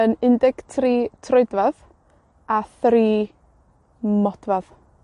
yn un deg tri troedfadd. A thri modfadd.